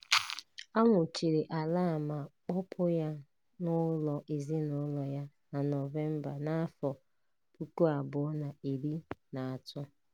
A nwụchiri Alaa ma kpọpụ ya n'ụlọ ezinụlọ ya na Nọvemba 2013.